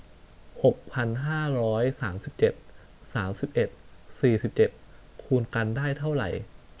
หกพันห้าร้อยสามสิบเจ็ดสามสิบเอ็ดสี่สิบเจ็ดคูณกันได้เท่าไหร่